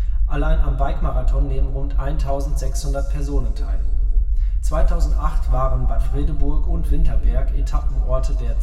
allein am Bike Marathon nehmen rund 1.600 Personen teil. 2008 waren Bad Fredeburg und Winterberg Etappenorte der